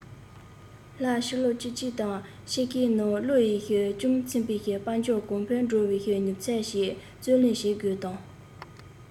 སླད ཕྱིན ལོ བཅུ གཅིག དང ཕྱེད ཀའི ནང བློ ཡིད ཅུང ཚིམ པའི དཔལ འབྱོར གོང འཕེལ འགྲོ བའི མྱུར ཚད ཞིག བཙོན ལེན བྱེད དགོས དང